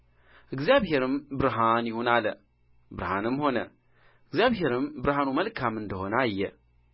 እግዚአብሔርም ብርሃን ይሁን ኣለ ብርሃንም ሆነ እግዚአብሔርም ብርሃኑ መልካም እንደ ሆነ አየ